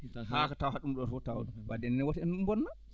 haa ko tawata ɗum ɗoo fof tawa ɗum wadde ne woto en bonna